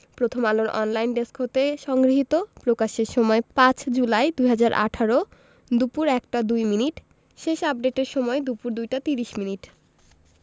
প্রথমআলোর online desk হতে সংগৃহীত প্রকাশের সময় ৫ জুলাই ২০১৮ দুপুর ১টা ২মিনিট শেষ আপডেটের সময় দুপুর ২টা ৩০ মিনিট